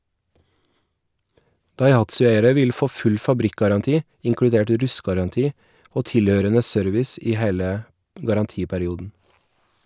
Daihatsu-eiere vil få full fabrikkgaranti, inkludert rustgaranti, og tilhørende service i hele garantiperioden.